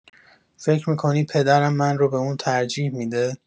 فکر می‌کنی پدرم من رو به اون ترجیح می‌ده؟